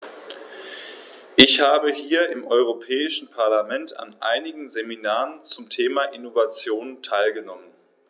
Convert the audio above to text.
Ich habe hier im Europäischen Parlament an einigen Seminaren zum Thema "Innovation" teilgenommen.